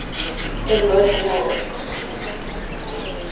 eg vil eisini hava eitt